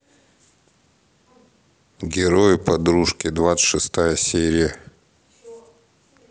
герои подружки двадцать шестая серия